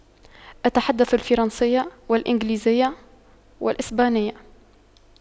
أتحدث الفرنسية والإنجليزية والإسبانية